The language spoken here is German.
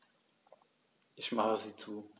Ich mache sie zu.